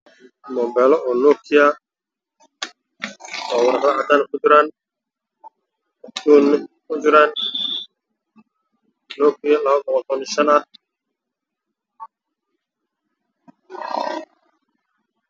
Waxaa yaalla meeshaan moobeello nokia ah